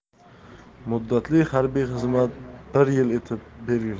muddatli harbiy xizmat bir yil etib belgilandi